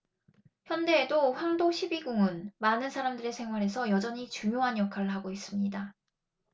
현대에도 황도 십이궁은 많은 사람들의 생활에서 여전히 중요한 역할을 하고 있습니다